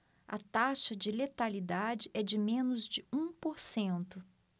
a taxa de letalidade é de menos de um por cento